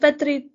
...fedru